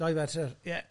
Doi fetr, ie.